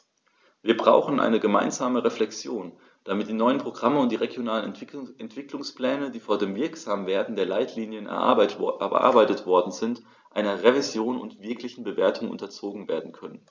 Wir brauchen eine gemeinsame Reflexion, damit die neuen Programme und die regionalen Entwicklungspläne, die vor dem Wirksamwerden der Leitlinien erarbeitet worden sind, einer Revision und wirklichen Bewertung unterzogen werden können.